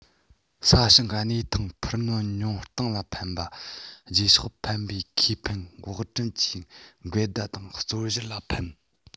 ས ཞིང གི གནས ཐང འཕར སྣོན ཉུང གཏོང ལ ཕན པ རྗེས ཕྱོགས ཕན པའི ཁེ ཕན བགོ འགྲེམས ཀྱི འགལ ཟླ དང རྩོད གཞིར ལ ཕན